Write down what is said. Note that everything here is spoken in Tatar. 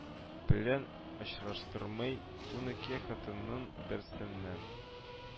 Белән очраштырмый, унике хатынының берсеннән